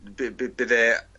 n- by' by' bydd e